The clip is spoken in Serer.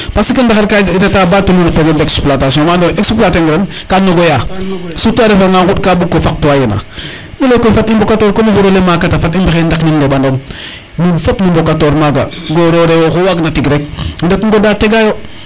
parce que ndaxar ka reta ba tolu no periode d' exploitation ma ando naye o exploiter a ngiran ka nogoya surtout a refa nga ŋuɗ ka buko faqtuwa yena i leye koy fat i mboka tor comme o xurole maka ta fat i mbexey ndaq nin ndeɓanong nuun fop no mboka tor maga goro rewo oxu waag na tig rek ndet ŋoda tega yo